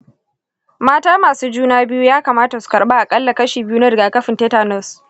mata masu juna biyu ya kamata su karɓi aƙalla kashi biyu na rigakafin tetanus.